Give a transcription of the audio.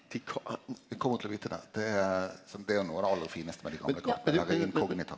dei kjem til å vite det det er sant det er noko av det aller finaste med dei Inkognita.